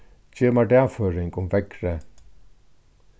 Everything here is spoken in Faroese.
gev mær dagføring um veðrið